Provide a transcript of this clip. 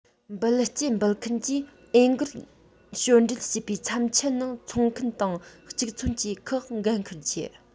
འབུལ སྐྱེས འབུལ མཁན གྱིས འོས འགན ཞོར འབྲེལ བྱེད པའི མཚམས ཚད ནང འཚོང མཁན དང གཅིག མཚུངས ཀྱི ཁག འགན འཁུར རྒྱུ